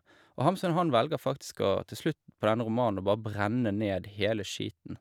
Og Hamsun, han velger faktisk å, til slutt på denne romanen, å bare brenne ned hele skiten.